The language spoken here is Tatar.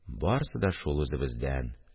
– барысы да шул үзебездән